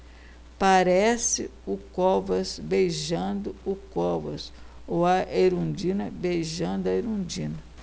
parece o covas beijando o covas ou a erundina beijando a erundina